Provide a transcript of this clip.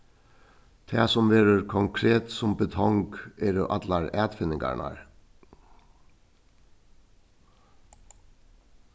tað sum verður konkret sum betong eru allar atfinningarnar